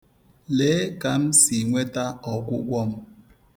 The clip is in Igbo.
Lee ka m si nweta ọgwụgwọ m.